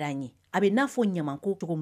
A bɛ'a fɔ ɲama ko cogo